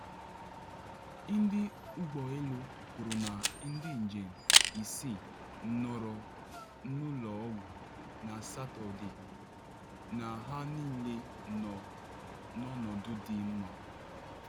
Ndị ụgbọ elu kwuru na ndị njem isii nọrọ n’ụlọ ọgwụ na Satọde, na ha niile nọ n’ọnọdụ dị mma.